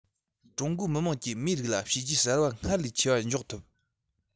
ཀྲུང གོའི མི དམངས ཀྱིས མིའི རིགས ལ བྱས རྗེས གསར པ སྔར ལས ཆེ བ འཇོག ཐུབ